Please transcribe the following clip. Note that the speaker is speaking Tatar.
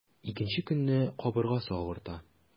Икенче көнне кабыргасы авырта.